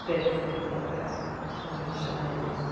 byth yn gwbo be o'n i isio neud.